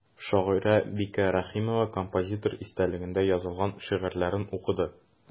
Шагыйрә Бикә Рәхимова композитор истәлегенә язылган шигырьләрен укыды.